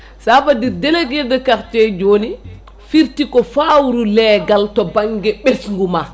sa veut dire délégué de :frea quartier joni firti ko fawru leegal to banggue ɓesgu ma